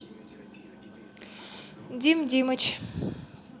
дим димыч